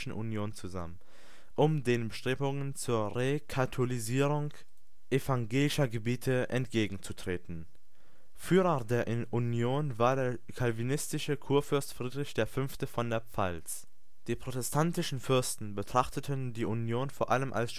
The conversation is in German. Union zusammen, um den Bestrebungen zur Rekatholisierung evangelischer Gebiete entgegenzutreten. Führer der Union war der calvinistische Kurfürst Friedrich V. von der Pfalz. Die protestantischen Fürsten betrachteten die Union vor allem als